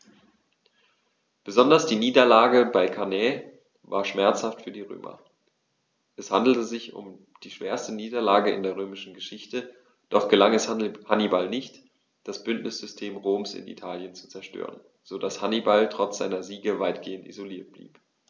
Besonders die Niederlage bei Cannae war schmerzhaft für die Römer: Es handelte sich um die schwerste Niederlage in der römischen Geschichte, doch gelang es Hannibal nicht, das Bündnissystem Roms in Italien zu zerstören, sodass Hannibal trotz seiner Siege weitgehend isoliert blieb.